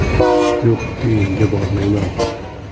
yo'q uyingga bormayman